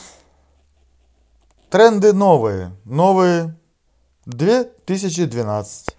тренды новые новые две тысячи девятнадцать